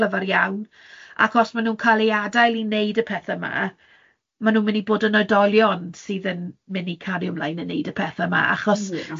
clyfar iawn, ac os maen nhw'n cael ei adael i wneud y pethau 'ma, maen nhw'n mynd i bod yn oedolion sydd yn mynd i cario ymlaen i wneud y pethau yma, achos